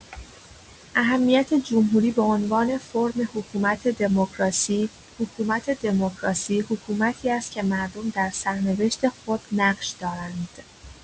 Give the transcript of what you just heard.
اهمیت جمهوری به عنوان فرم حکومت دموکراسی: حکومت دموکراسی حکومتی است که مردم در سرنوشت خود نقش دارند.